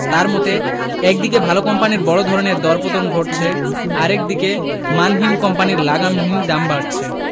তাঁর মতে একদিকে ভালো কোম্পানির বড় ধরনের দরপতন ঘটছে আরেক দিকে মানহীন কোম্পানির লাগামহীন দাম বাড়ছে